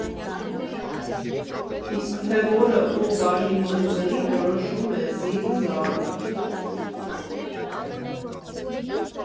Իսկ թե որը ում բաժին կընկնի, որոշում է ԶԻԼ ԶԱՌԸ։